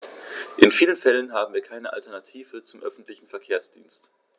In vielen Fällen haben wir keine Alternative zum öffentlichen Verkehrsdienst.